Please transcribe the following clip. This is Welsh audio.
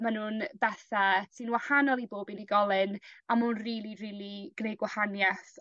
ma' nw'n bethe sy'n wahanol i bob unigolyn a ma' o'n rili rili gneu' gwahanieth